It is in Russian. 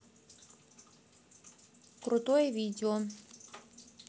крутое видео